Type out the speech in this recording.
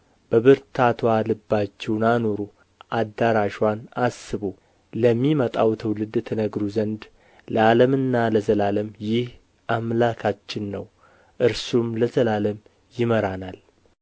በብርታትዋ ልባችሁን አኑሩ አዳራሽዋን አስቡ ለሚመጣው ትውልድ ትነግሩ ዘንድ ለዓለምና ለዘላለም ይህ አምላካችን ነው እርሱም ለዘላለም ይመራናል